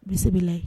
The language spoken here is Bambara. Bisimila la